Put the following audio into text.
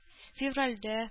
Февральдә